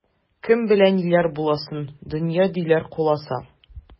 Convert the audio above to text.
Кем белә ниләр буласын, дөнья, диләр, куласа.